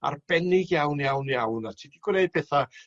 arbennig iawn iawn iawn a ti 'di gwneud petha